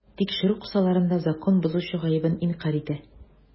Тикшерү кысаларында закон бозучы гаебен инкарь итә.